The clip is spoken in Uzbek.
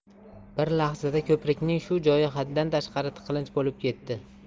bir lahzada ko'prikning shu joyi haddan tashqari tiqilinch bo'lib ketdi